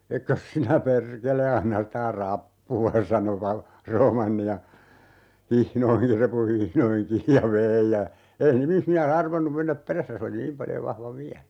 etkös sinä perkele anna sitä rappua sanoi - Roomanni ja hihnoihin repun hihnoihin kiinni ja vei ja ei nimismies arvannut mennä perässä se oli niin paljon vahva vielä